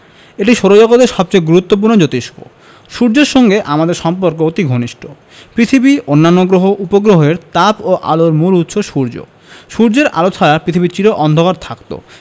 এটি সৌরজগতের সবচেয়ে গুরুত্বপূর্ণ জোতিষ্ক সূর্যের সঙ্গে আমাদের সম্পর্ক অতি ঘনিষ্ট পৃথিবী অন্যান্য গ্রহ উপগ্রহের তাপ ও আলোর মূল উৎস সূর্য সূর্যের আলো ছাড়া পৃথিবী চির অন্ধকার থাকত